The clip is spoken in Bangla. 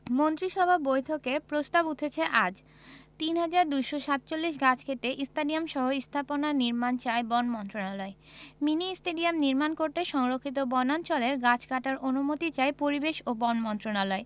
মন্ত্রিসভা বৈঠকে প্রস্তাব উঠছে আজ ৩২৪৭ গাছ কেটে স্টেডিয়ামসহ স্থাপনা নির্মাণ চায় বন মন্ত্রণালয় মিনি স্টেডিয়াম নির্মাণ করতে সংরক্ষিত বনাঞ্চলের গাছ কাটার অনুমতি চায় পরিবেশ ও বন মন্ত্রণালয়